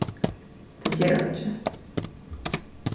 tað ger einki